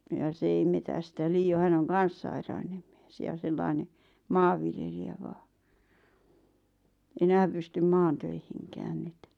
ja se ei metsästä liioin hän on kanssa sairaalloinen mies ja sellainen maanviljelijä vain enää pystynyt maatöihinkään nyt